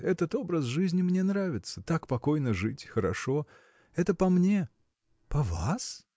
этот образ жизни мне нравится: так покойно жить, хорошо это по мне. – По вас?